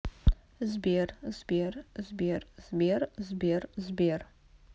сбер сбер сбер сбер сбер сбер